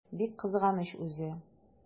Бик кызганыч үзе!